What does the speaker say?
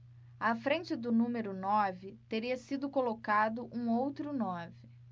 à frente do número nove teria sido colocado um outro nove